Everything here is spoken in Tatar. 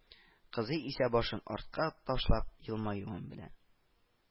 Кызый исә башын артка ташлап елмаюын белә